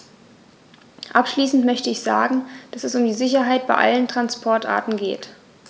Abschließend möchte ich sagen, dass es um die Sicherheit bei allen Transportarten geht.